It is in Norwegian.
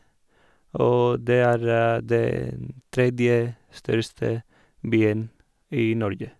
Og det er den tredje største byen i Norge.